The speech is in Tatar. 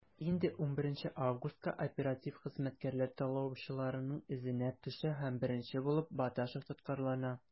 Инде 11 августка оператив хезмәткәрләр талаучыларның эзенә төшә һәм беренче булып Баташев тоткарлана.